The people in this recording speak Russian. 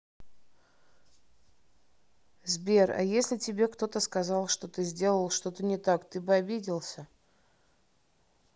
сбер а если тебе кто то сказал что ты сделал что то не так ты бы обиделся